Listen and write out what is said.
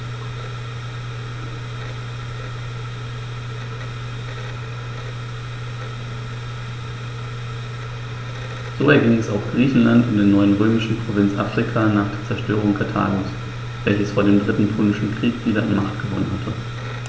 So erging es auch Griechenland und der neuen römischen Provinz Afrika nach der Zerstörung Karthagos, welches vor dem Dritten Punischen Krieg wieder an Macht gewonnen hatte.